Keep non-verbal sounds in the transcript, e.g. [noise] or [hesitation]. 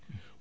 [hesitation] [hesitation]